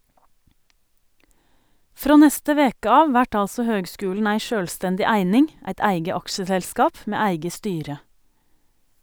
Frå neste veke av vert altså høgskulen ei sjølvstendig eining , eit eige aksjeselskap med eige styre.